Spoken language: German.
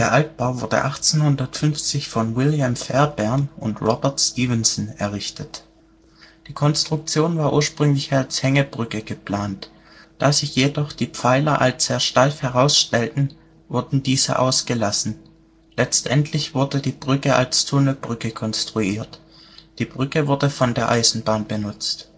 Altbau wurde 1850 von William Fairbairn und Robert Stephenson errichtet. Die Konstruktion war ursprünglich als Hängebrücke geplant. Da sich jedoch die Pfeiler als sehr steif herausstellten, wurden diese ausgelassen. Letztendlich wurde die Brücke als Tunnelbrücke konstruiert. Die Brücke wurde von der Eisenbahn benutzt